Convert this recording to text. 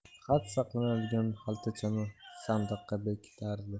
xat saqlanadigan xaltachani sandiqqa bekitardi